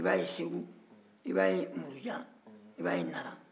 i b'a ye segu i b'a ye murujan i b'a ye nara